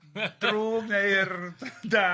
drwg neu'r da.